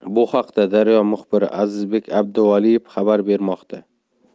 bu haqda daryo muxbiri azizbek abduvaliyev xabar bermoqda